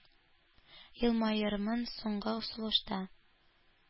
Елмаермын соңгы сулышта».